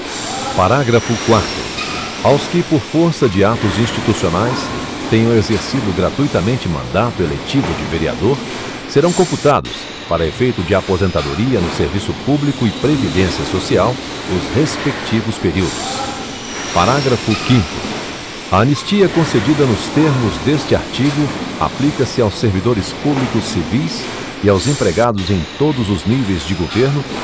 parágrafo quarto aos que por força de atos institucionais tenham exercido gratuitamente mandato eletivo de vereador serão computados para efeito de aposentadoria no serviço público e previdência social os respectivos períodos parágrafo quinto a anistia concedida nos termos deste artigo aplica se aos servidores públicos civis e aos empregados em todos os níveis de governo